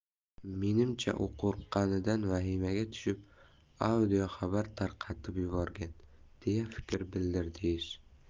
menimcha u qo'rqqanidan vahimaga tushib audioxabar tarqatib yuborgan deya fikr bildirdi z